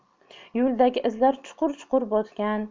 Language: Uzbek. yo'ldagi izlar chuqurchuqur botgan